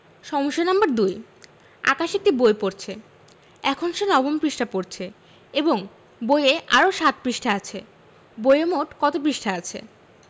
সমস্যা নম্বর ২ আকাশ একটি বই পড়ছে এখন সে নবম পৃষ্ঠা পড়ছে এবং বইয়ে আরও ৭ পৃষ্ঠা আছে বইয়ে মোট কত পৃষ্ঠা আছে